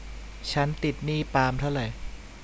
ฉันติดหนี้ปาล์มเท่าไร